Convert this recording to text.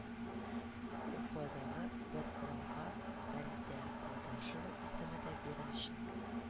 Уфадагы бер урамга Фәридә Кудашева исеме дә биреләчәк